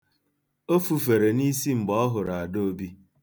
O fufere isi mgbe ọ hụrụ Adaobi.